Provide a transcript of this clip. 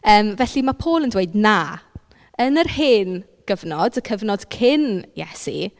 Yym felly ma' Paul yn dweud "na!" "yn yr hen gyfnod y cyfnod cyn Iesu"...